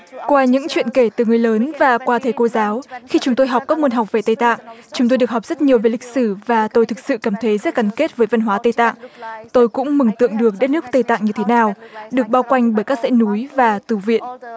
qua những chuyện kể từ người lớn và qua thầy cô giáo khi chúng tôi học các môn học về tây tạng chúng tôi được học rất nhiều về lịch sử và tôi thực sự cảm thấy rất gắn kết với văn hóa tây tạng tôi cũng mừng tượng được đất nước tây tạng như thế nào được bao quanh bởi các dãy núi và tù viện